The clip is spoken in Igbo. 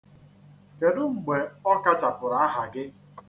Kedụ mgbe ọ kachapụrụ aha gị?